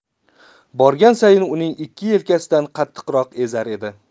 borgan sayin uning ikki yelkasidan qattiqroq ezar edi